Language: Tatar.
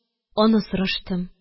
Аны сораштым.